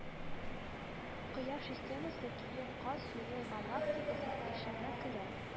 Кояш системасы Киек Каз Юлы галактикасы эченә керә